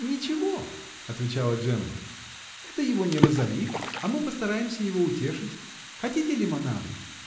-- Ничего, -- отвечала Джемма, -- это его не разорит, а мы постараемся его утешить. Хотите лимонаду?